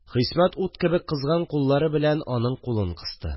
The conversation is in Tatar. Хисмәт ут кебек кызган куллары белән аның кулын кысты